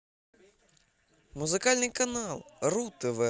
музыкальный канал ру тв